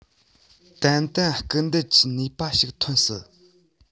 ཏན ཏན སྐུལ འདེད ཀྱི ནུས པ ཞིག ཐོན སྲིད